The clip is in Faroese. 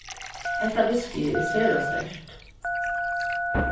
hetta whiskyið er sera sterkt